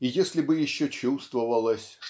И если бы еще чувствовалось